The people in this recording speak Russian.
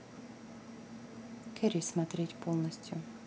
кэрри смотреть полностью